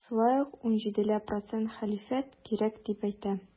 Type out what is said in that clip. Шулай ук 17 ләп процент хәлифәт кирәк дип әйтә.